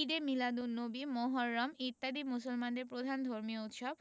ঈদে মীলাদুননবী মুহররম ইত্যাদি মুসলমানদের প্রধান ধর্মীয় উৎসব